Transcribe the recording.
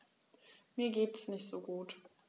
Mir geht es nicht gut.